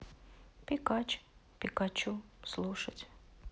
пикач пикачу слушать